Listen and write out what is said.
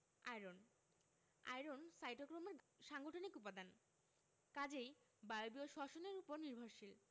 iron iron সাইটোক্রোমের সাংগঠনিক উপাদান কাজেই বায়বীয় শ্বসন এর উপর নির্ভরশীল